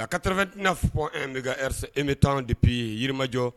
A ka taad na fɔ e bɛ z e bɛ taa deppi jiriirimajɔ